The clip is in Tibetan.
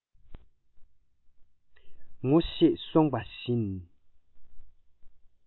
ངོ ཤེས སོང པ བཞིན